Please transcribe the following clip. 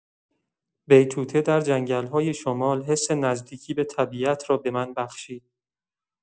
بیتوته در جنگل‌های شمال حس نزدیکی به طبیعت را به من بخشید.